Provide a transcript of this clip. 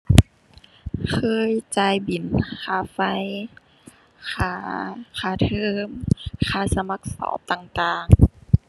เคยจ่ายบิลค่าไฟ ค่า ค่าเทอม ค่าสมัครสอบต่างต่าง